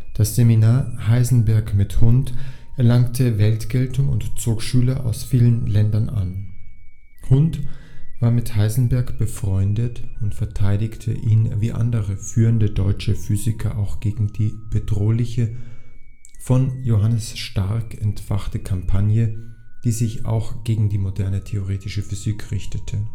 Das Seminar „ Heisenberg mit Hund “erlangte Weltgeltung und zog Schüler aus vielen Ländern an. Hund war mit Heisenberg befreundet und verteidigte ihn wie andere führende deutsche Physiker auch gegen die bedrohliche, von Johannes Stark entfachte Kampagne, die sich auch gegen die moderne theoretische Physik richtete